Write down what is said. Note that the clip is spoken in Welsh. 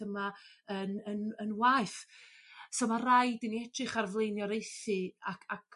yma yn yn yn waeth so ma' raid i ni edrych ar flaenioraethu ac ac